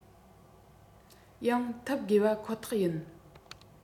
ཡང ཐུབ དགོས པ ཁོ ཐག ཡིན